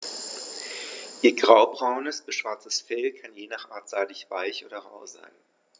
Ihr graubraunes bis schwarzes Fell kann je nach Art seidig-weich oder rau sein.